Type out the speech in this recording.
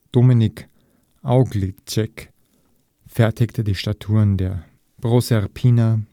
Dominik Auliczek fertigte die Statuen der Proserpina